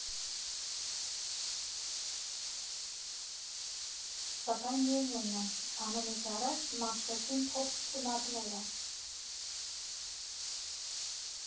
Սակայն միևնույն է, ամենից արագ մաշվեցին փոփ պնակները.